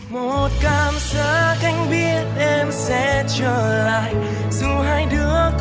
một cảm giác anh biết em sẽ trở lại